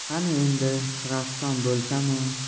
qani endi rassom bo'lsamu